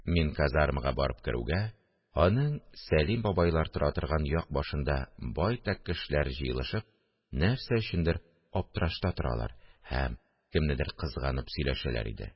Мин казармага барып керүгә, аның Сәлим бабайлар тора торган як башында байтак кешеләр җыелышып, нәрсә өчендер аптырашта торалар һәм кемнедер кызганып сөйләшәләр иде